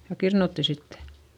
ja kirnuttiin sitten